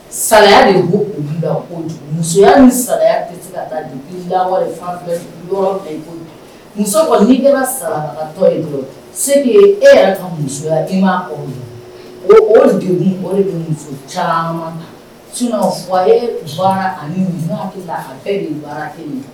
Sa de musoya ni saya yɔrɔ muso kɔnitɔ se e yɛrɛ ka musoya ye o o de muso caman na ci fɔ a ye ani de wara min